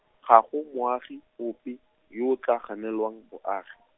ga go moagi, ope, yo o tla ganelwang boagi.